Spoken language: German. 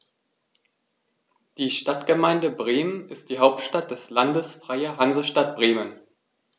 Die Stadtgemeinde Bremen ist die Hauptstadt des Landes Freie Hansestadt Bremen.